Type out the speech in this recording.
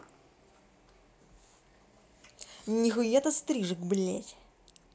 нихуя ты стрижек блядь